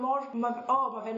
mor ma'n o ma' fe'n